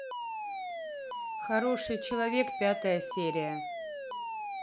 хороший человек пятая серия